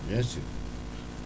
bien sûr